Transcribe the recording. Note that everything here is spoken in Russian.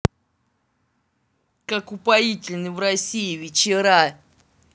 как упоительны в россии вечера